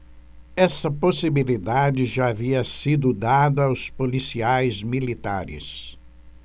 essa possibilidade já havia sido dada aos policiais militares